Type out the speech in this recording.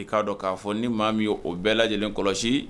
I k'a dɔn k'a fɔ ni maa min ye o bɛɛ lajɛlen kɔlɔsi